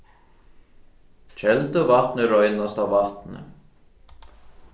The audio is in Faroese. kelduvatn er reinasta vatnið